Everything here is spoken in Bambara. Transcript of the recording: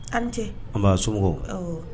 An tɛ an' somɔgɔw